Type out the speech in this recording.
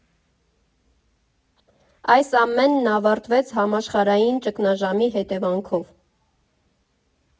Այս ամենն ավարտվեց համաշխարհային ճգնաժամի հետևանքով։